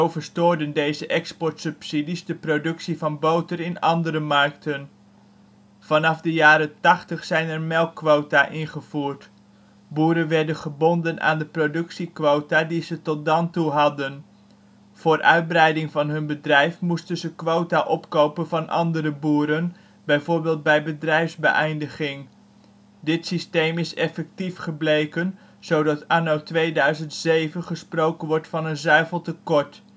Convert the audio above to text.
verstoorden deze exportsubsidies de productie van boter in andere markten. Vanaf de jaren ' 80 zijn er melkquota ingevoerd. Boeren werden gebonden aan de productiequota die ze tot dan toe hadden. Voor uitbreiding van hun bedrijf moesten ze quota opkopen van andere boeren, bijvoorbeeld bij bedrijfsbeëindiging. Dit systeem is effectief gebleken, zodat anno 2007 gesproken wordt van een zuiveltekort